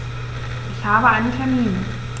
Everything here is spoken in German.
Ich habe einen Termin.